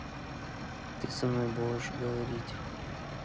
ты со мной будешь говорить